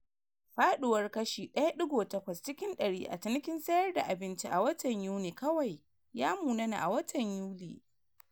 Faduwar kashi 1.8 cikin dari a cinikin sayar da abinci a watan Yuni kawai ya munana a watan Yuli.